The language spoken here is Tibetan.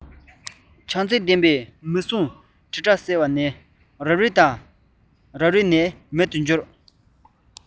བྱམས བརྩེ ལྡན པའི མིག ཟུང དྲིལ སྒྲ གསལ བ ནས རབ རིབ དང རབ རིབ ནས མེད པར གྱུར